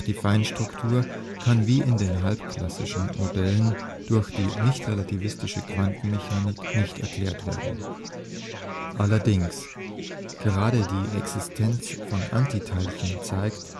die Feinstruktur kann wie in den halbklassischen Modellen durch die nichtrelativistische Quantenmechanik nicht erklärt werden. Allerdings: Gerade die Existenz von Antiteilchen zeigt,